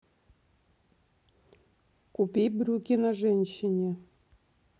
купи брюки на женщине